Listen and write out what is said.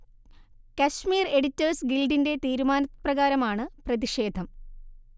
Kashmir editors ഗിൽഡിന്റെ തീരുമാനപ്രകാരമാണ് പ്രതിഷേധം